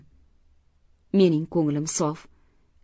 mening ko'nglim sof